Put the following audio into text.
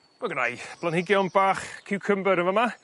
Ma' gynna i blanhigion bach ciwcymbyr yn fa' 'ma